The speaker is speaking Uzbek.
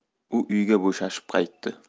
u uyiga bo'shashib qaytdi